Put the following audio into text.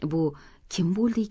bu kim bo'ldiykin